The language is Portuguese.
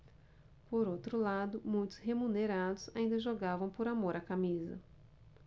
por outro lado muitos remunerados ainda jogavam por amor à camisa